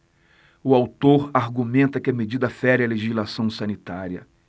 o autor argumenta que a medida fere a legislação sanitária